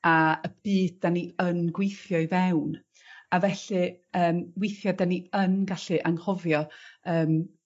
a y byd 'dan ni yn gweithio i fewn. A felly yym weithia' 'dyn ni yn gallu anghofio yym